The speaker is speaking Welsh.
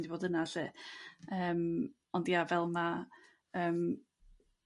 dim 'di fod yna 'lly. Yrm ond ia fel ma' yrm...